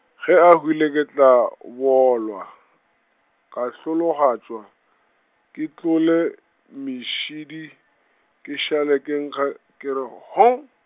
ge a hwile ke tla, o boolwa, ka hlologatšwa, ke tlole mešidi, ke šale ke nkga ke re, hong.